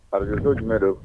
A n dono jumɛn dɛ